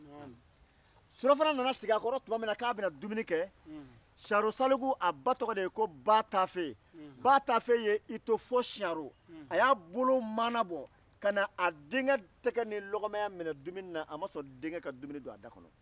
suarafana nana sigi a kɔrɔ tuma min na k'a bɛna dumuni kɛ siyanro salimu ba tɔgɔ ye ko ba tafe o ye i to fo siyanro ka a bolo maanabɔ ka na denkɛ tɛgɛ ni dumuni m inɛ a ma sɔn dumuni ka don a da kɔnɔ